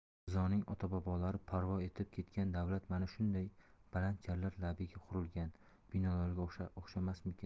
mirzoning otabobolari barpo etib ketgan davlat mana shunday baland jarlar labiga qurilgan binolarga o'xshamasmikin